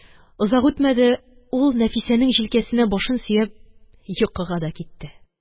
Озак үтмәде, ул Нәфисәнең җилкәсенә башын сөяп йокыга да китте.